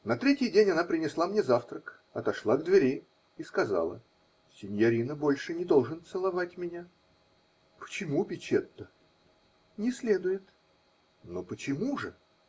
На третий день она принесла мне завтрак, отошла к дверии сказала: -- Синьорино больше не должен целовать меня. -- Почему, Бичетта? -- Не следует. -- Но почему же?